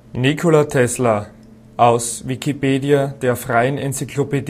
Nikola Tesla, aus Wikipedia, der freien Enzyklopädie